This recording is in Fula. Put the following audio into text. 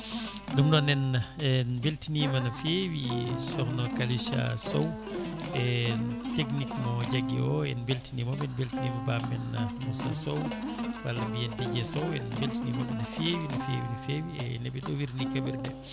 ɗum noon en en beltinima no fewi sohna Kalisa Sow e technique mo jaggui o en beltinimomo en beltinima babmen Moussa Sow walla mbiyen Dj Sow en beltinimomo no fewi no fewi no fewi e nooɓe ɗoowirini kaɓirɗe